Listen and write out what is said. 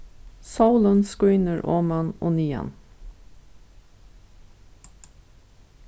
sólin skínur oman og niðan